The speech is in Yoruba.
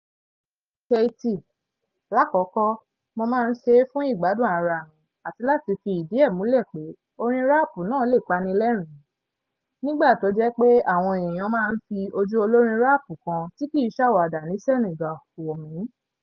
Keyti: lákọ̀kọ́ọ̀ mo máa ń ṣe é fún ìgbádùn ara mi àti láti fi ìdí ẹ̀ múlẹ̀ pé orin ráàpù náà lè pani lẹ́rìn-ín, nígbà tó jẹ́ pé àwọn èèyan máa ń fi ojú olórin ráàpù kan tí kìí ṣàwàdà ní Senegal wò mí.